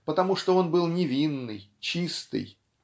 потому что он был невинный чистый